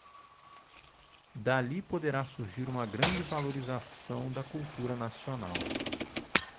dali poderá surgir uma grande valorização da cultura nacional